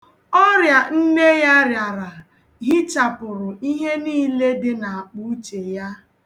Ọrịa nne ya rịara hichapụrụ ihe niile dị n'akpauche ya.